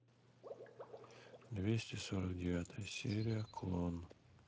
двести сорок девятая серия клон